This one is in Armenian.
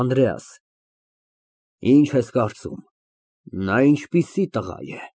ԱՆԴՐԵԱՍ ֊ Ի՞նչ ես կարծում, նա ինչպիսի տղա է։